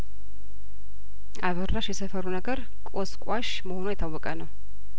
አበራሽ የሰፈሩ ነገር ቆስቋሽ መሆኗ የታወቀ ነው